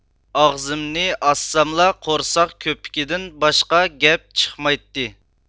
ئاغزىمنى ئاچساملا قورساق كۆپۈكىدىن باشقا گەپ چىقمايتتى